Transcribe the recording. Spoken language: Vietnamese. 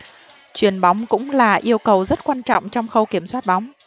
chuyền bóng cũng là yêu cầu rất quan trọng trong khâu kiểm soát bóng